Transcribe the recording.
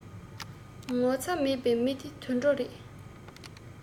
ངོ ཚ མེད པའི མི དེ དུད འགྲོ རེད